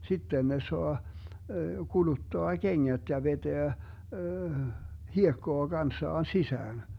sitten ne saa kuluttaa kengät ja vetää hiekkaa kanssaan sisään